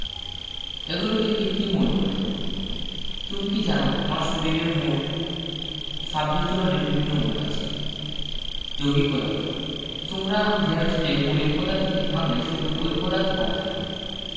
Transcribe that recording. এগুলোকে কিত্তিম মৌল বলে তুমি কি জানো তোমার শরীরে মোট ২৬ ধরনের ভিন্ন ভিন্ন মৌল আছে যৌগিক পদার্থ তোমরা জেনেছ যে মৌলিক পদার্থকে ভাঙলে শুধু ঐ পদার্থ পাওয়া যাবে